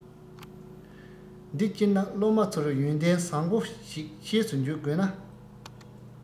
འདི སྤྱིར ན སློབ མ ཚོར ཡོན ཏན བཟང བོ ཞིག ཤེས སུ འཇུག དགོས ན